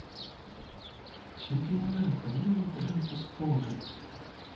чемпионат по мини трампу спорт